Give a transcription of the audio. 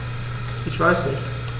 Ich weiß nicht.